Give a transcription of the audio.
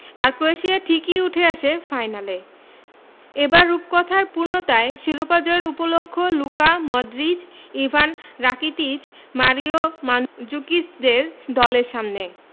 আর Croatia ঠিকই উঠে আসে ফাইনালে এবার রূপকথার পূর্ণতায় শিরোপা জয়ের উপলক্ষ Luka Modric Ivan Rakitic Mario মান্দজুকিচদের দলের সামনে